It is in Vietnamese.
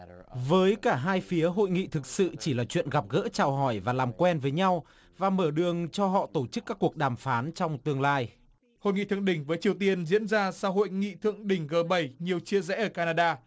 với cả hai phía hội nghị thực sự chỉ là chuyện gặp gỡ chào hỏi và làm quen với nhau và mở đường cho họ tổ chức các cuộc đàm phán trong tương lai hội nghị thượng đỉnh với triều tiên diễn ra sau hội nghị thượng đỉnh gờ bảy nhiều chia rẽ ở can na đa